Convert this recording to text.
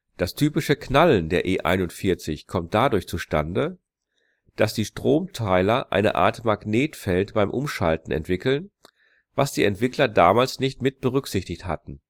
Das typische Knallen der E 41 kommt dadurch zustande, dass die Stromteiler eine Art Magnetfeld beim Umschalten entwickeln, was die Entwickler damals nicht mit berücksichtigt hatten